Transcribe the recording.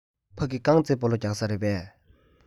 ཕ གི རྐང རྩེད སྤོ ལོ རྒྱག ས རེད པས